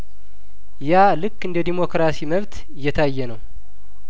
ያልክ እንደ ዲሞክራሲ መብት እየታየነው